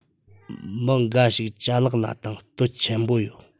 མི འགའ ཞིག ཅ ལག ལ དང བསྟོད ཆེན པོ ཡོད